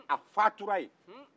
a fatura yen